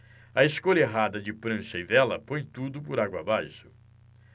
a escolha errada de prancha e vela põe tudo por água abaixo